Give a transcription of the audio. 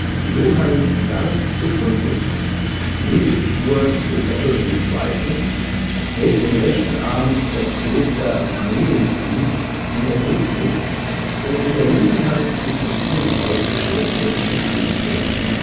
Johann Gans zu Putlitz, Nebenfigur zu Otto II., hält im rechten Arm das Kloster Marienfließ in der Prignitz und in der linken Hand die von ihm ausgestellte Stiftungsurkunde